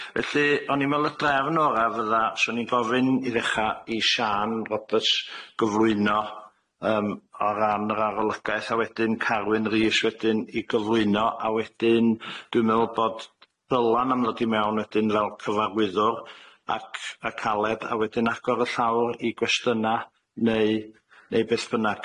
Felly o'n i'n me'wl y drefn ora' fydda swn i'n gofyn i ddechra i Siân Roberts gyflwyno yym o ran yr arolygaeth a wedyn Carwyn Rees wedyn i gyflwyno a wedyn dwi'n me'wl bod Dylan am ddod i mewn wedyn fel cyfarwyddwr ac ac aled a wedyn agor y llawr i gwestyna neu neu beth bynnag.